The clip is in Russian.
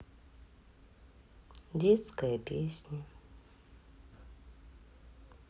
детская песня